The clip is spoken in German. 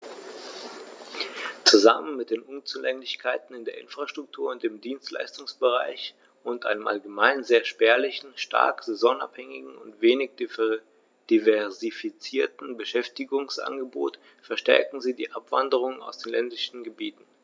Zusammen mit den Unzulänglichkeiten in der Infrastruktur und im Dienstleistungsbereich und einem allgemein sehr spärlichen, stark saisonabhängigen und wenig diversifizierten Beschäftigungsangebot verstärken sie die Abwanderung aus den ländlichen Gebieten.